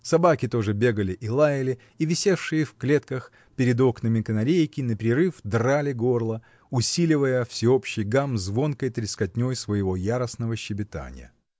собаки тоже бегали и лаяли, и висевшие в клетках перед окнами канарейки наперерыв драли горло, усиливал всеобщий гам звонкой трескотней своего яростного щебетанья.